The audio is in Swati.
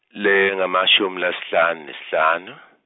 lengemashumi lasihlanu nesihlanu.